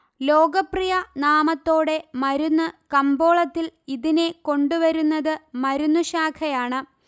ലോകപ്രിയ നാമത്തോടെ മരുന്ന്കമ്പോളത്തിൽ ഇതിനെ കൊണ്ടുവരുന്നത് മരുന്നു ശാഖയാണ്